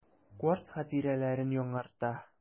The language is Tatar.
Карт хатирәләрен яңарта.